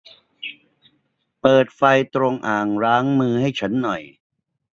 เปิดไฟตรงอ่างล้างมือให้ฉันหน่อย